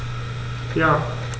Ja.